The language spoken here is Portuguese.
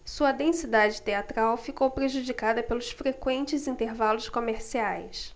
sua densidade teatral ficou prejudicada pelos frequentes intervalos comerciais